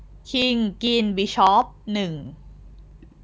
คิงกินบิชอปหนึ่ง